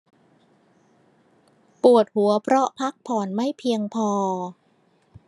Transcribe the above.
ปวดหัวเพราะพักผ่อนไม่เพียงพอ